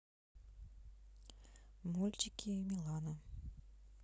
мультики милана